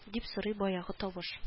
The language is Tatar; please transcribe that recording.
- дип сорый баягы тавыш